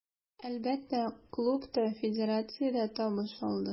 Әлбәттә, клуб та, федерация дә табыш алды.